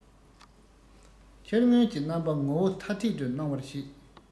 ཕྱིར མངོན གྱི རྣམ པ ངོ བོ ཐ དད དུ སྣང བར བྱེད